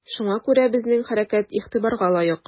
Шуңа күрә безнең хәрәкәт игътибарга лаек.